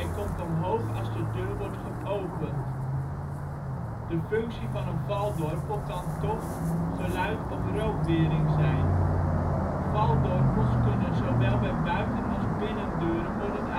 komt omhoog als de deur wordt geopend. De functie van een valdorpel kan tocht -, geluid - of rookwering zijn. Valdorpels kunnen zowel bij buiten - als binnendeuren worden